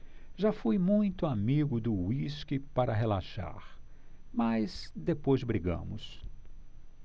já fui muito amigo do uísque para relaxar mas depois brigamos